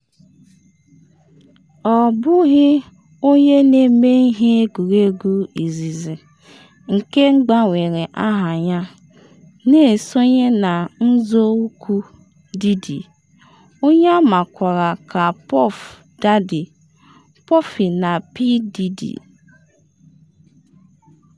Ọ bụghị onye na-eme ihe egwuregwu izizi nke gbanwere aha ya, na-esonye na nzọ ụkwụ Diddy, onye amakwara ka Puff Daddy, Puffy na P.Diddy.